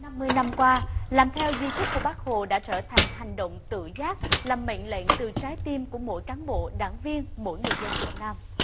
năm mươi năm qua làm theo di chúc của bác hồ đã trở thành hành động tự giác là mệnh lệnh từ trái tim của mỗi cán bộ đảng viên mỗi người dân việt nam